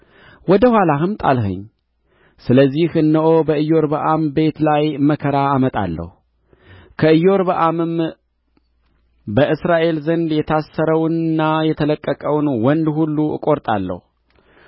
ወደ ኋላህም ጣልኸኝ ስለዚህ እነሆ በኢዮርብዓም ቤት ላይ መከራ አመጣለሁ ከኢዮርብአምም በእስራኤል ዘንድ የታሰረውንና የተለቀቀውን ወንድ ሁሉ እቈርጣለሁ